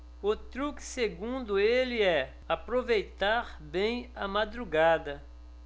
o truque segundo ele é aproveitar bem a madrugada